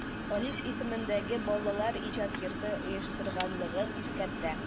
Алиш исемендәге Балалар иҗаты йорты оештырганлыгын искәртә.